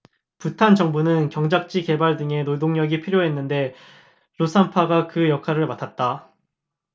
부탄 정부는 경작지 개발 등에 노동력이 필요했는데 롯삼파가 그 역할을 맡았다